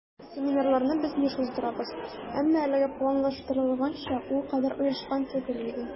Семинарларны без еш уздырабыз, әмма әлегә планлаштырылганча ул кадәр оешкан түгел иде.